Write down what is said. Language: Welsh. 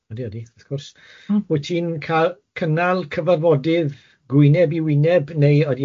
Odi odi wrth gwrs. Wyt ti'n cal cynnal cyfarfodydd gwyneb i wyneb neu ydi e